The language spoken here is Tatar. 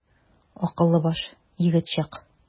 Акыллы баш, егет чак.